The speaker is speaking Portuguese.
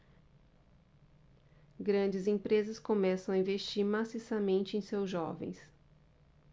grandes empresas começam a investir maciçamente em seus jovens